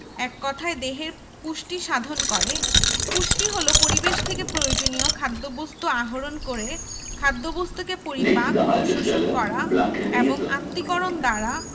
এক কথায় দেহের পুষ্টি সাধন করে পুষ্টি হলো পরিবেশ থেকে প্রয়োজনীয় খাদ্যবস্তু আহরণ করে খাদ্যবস্তুকে পরিপাক ও শোষণ করা এবং আত্তীকরণ দ্বারা